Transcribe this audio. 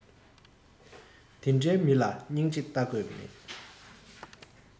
དེ འདྲའི མི ལ སྙིང རྗེ ལྟ དགོས མེད